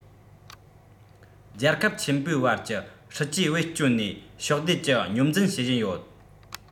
རྒྱལ ཁབ ཆེན པོའི བར གྱི སྲིད ཇུས བེད སྤྱོད ནས ཕྱོགས བསྡུས ཀྱི སྙོམས འཛིན བྱེད བཞིན ཡོད